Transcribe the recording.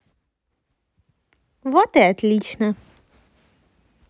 вот и отлично